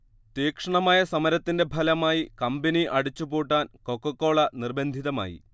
തീക്ഷണമായ സമരത്തിന്റെ ഫലമായി കമ്പനി അടിച്ചുപൂട്ടാൻ കൊക്കക്കോള നിർബന്ധിതമായി